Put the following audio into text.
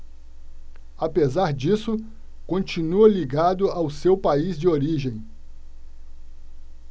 apesar disso continua ligado ao seu país de origem